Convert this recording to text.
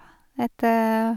Etter...